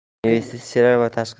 investitsiyalar va tashqi